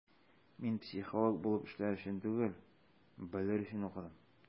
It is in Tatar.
Мин психолог булып эшләр өчен түгел, белер өчен укыдым.